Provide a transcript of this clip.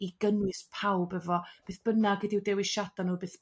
i gynnwys pawb efo beth bynnag ydy'w dewisiada' nhw beth